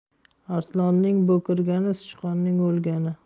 arslonning bo'kirgani sichqonning o'lgani